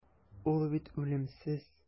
Ул бит үлемсез.